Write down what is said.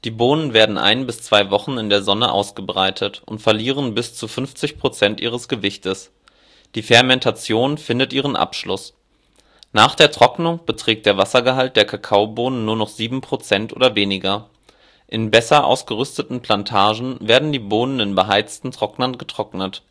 Bohnen werden ein bis zwei Wochen in der Sonne ausgebreitet und verlieren bis zu 50 % ihres Gewichtes; die Fermentation findet ihren Abschluss. Nach der Trocknung beträgt der Wassergehalt der Kakaobohnen nur noch 7 % oder weniger. In besser ausgerüsteten Plantagen werden die Bohnen in beheizten Trocknern getrocknet